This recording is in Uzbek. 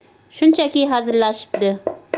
shunchaki hazillashibdi